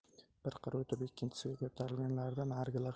bir qir o'tib ikkinchisiga ko'tarilganlarida narigilar